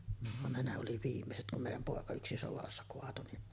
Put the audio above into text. vaan ne ne oli viimeiset kun meidän poika yksi sodassa kaatui